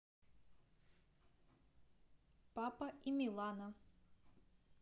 папа и милана